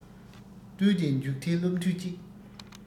ཏུའུ ཏེའི མཇུག མཐའི སློབ ཐུན གཅིག